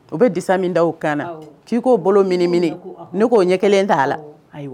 U be disa min da u kan na . Awɔ ki ko bolo mini mini ne ko ɲɛkelen ta a la.